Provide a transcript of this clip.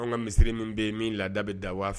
An ka misiri min bɛ min laada bɛ da waa fɛ